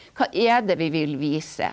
hva er det vi vil vise?